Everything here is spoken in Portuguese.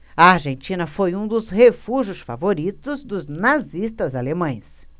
a argentina foi um dos refúgios favoritos dos nazistas alemães